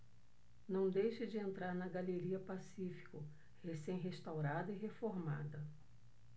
não deixe de entrar na galeria pacífico recém restaurada e reformada